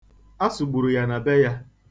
A sụgburu ya na be ya.